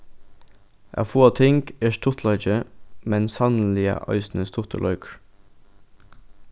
at fáa ting er stuttleiki men sanniliga eisini stuttur leikur